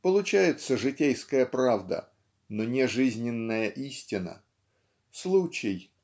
Получается житейская правда но не жизненная истина случай